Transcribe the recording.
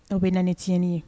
Aw bɛ na ni tiɲɛni ye